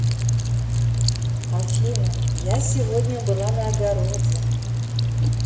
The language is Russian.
афина я сегодня была на огороде